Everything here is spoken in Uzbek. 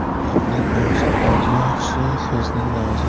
gapning ozi yaxshi qizning nozi